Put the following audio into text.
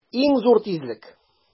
Иң зур тизлек!